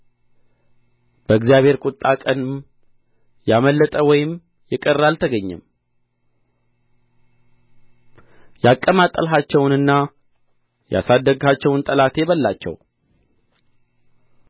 በእግዚአብሔር ቍጣ ቀንም ያመለጠ ወይም የቀረ አልተገኘም ያቀማጠልኋቸውንና ያሳደግኋቸውን ጠላቴ በላቸው